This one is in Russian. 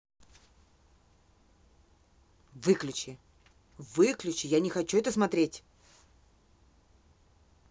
выключи выключи я не хочу это смотреть